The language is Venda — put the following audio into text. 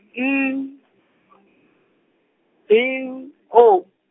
N B O.